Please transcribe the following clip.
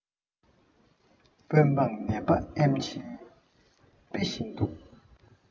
དཔོན འབངས ནད པ ཨེམ ཆིའི དཔེ བཞིན དུ